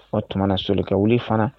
O tuma na solikawuli fana